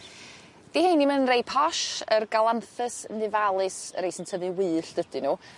'Di rhein 'im yn rei posh yr galanthus nivalis y rei sy'n tyfu wyllt ydyn n'w